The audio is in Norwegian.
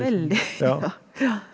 veldig ja ja.